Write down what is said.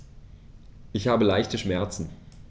Ich habe leichte Schmerzen.